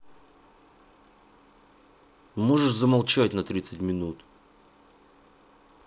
можешь замолчать на тридцать минут